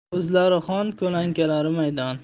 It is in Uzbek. o'zlari xon ko'lankalari maydon